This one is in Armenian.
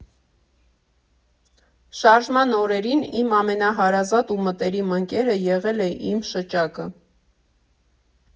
Շարժման օրերին իմ ամենահարազատ ու մտերիմ ընկերը եղել է իմ շչակը։